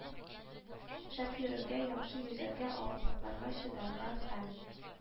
Шәп йөрергә, яхшы йөзәргә, авырлыкларга чыдарга һәм